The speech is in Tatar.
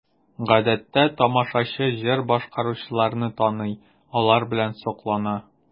Гадәттә тамашачы җыр башкаручыларны таный, алар белән соклана.